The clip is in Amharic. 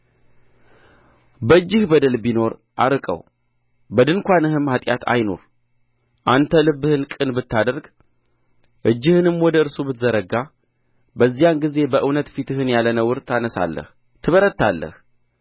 በእጅህ በደል ቢኖር አርቀው በድንኳንህም ኃጢአት አይኑር አንተ ልብህን ቅን ብታደርግ እጅህንም ወደ እርሱ ብትዘረጋ በዚያን ጊዜ በእውነት ፊትህን ያለ ነውር ታነሣለህ ትበረታለህ